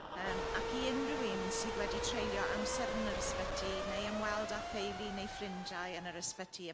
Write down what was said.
Yym ac i unrhyw un sydd wedi treulio amser yn yr ysbyty, neu ymweld â theulu neu ffrindiau yn yr ysbyty...